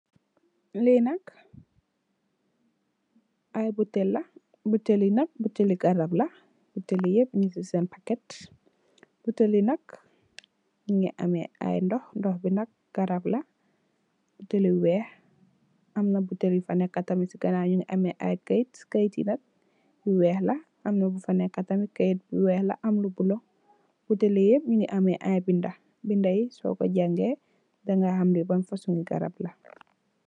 Lii nak ay butel la, butel yi nak yu garab la, butel yapp nyun sen paket, butel yi nak nyingi ame ay ndox, ndox bi nak garab la, butel yu weex, amna butel yu fa nekk tamit si ganaaw nyu ngi ame ay kayit, kayit yi nak yu weex la, amna bu fa nekk tamit bu weex la am lu bula, butel yi yapp nyungi am ay binda, binda yi so ko jange, dangay xam li ban fasong ngi garab la.